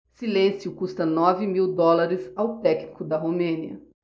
silêncio custa nove mil dólares ao técnico da romênia